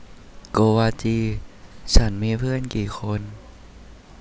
โกวาจีฉันมีเพื่อนกี่คน